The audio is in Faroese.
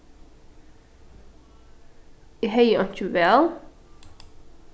eg hevði einki val